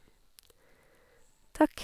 Takk.